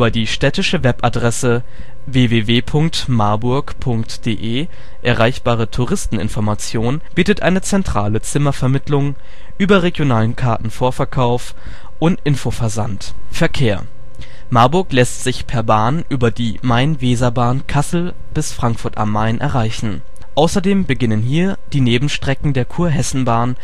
die städtische Webadresse http://www.marburg.de / erreichbare Touristen-Information bietet eine " Zentrale Zimmervermittlung ", überregionalen Kartenvorverkauf und Info-Versand. Marburg lässt sich per Bahn über die Main-Weser-Bahn Kassel - Frankfurt am Main erreichen. Außerdem beginnen hier die Nebenstrecken der Kurhessenbahn